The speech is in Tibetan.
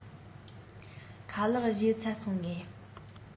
ཞལ ལག ཁ ལག མཆོད བཞེས ཚར སོང ངས